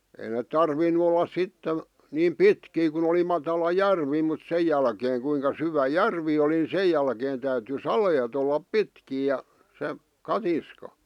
ei ne tarvinnut olla sitten niin pitkiä kun oli matala järvi mutta sen jälkeen kuinka syvä järvi oli niin sen jälkeen täytyi saleet olla pitkiä ja se katiska